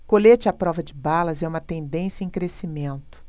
colete à prova de balas é uma tendência em crescimento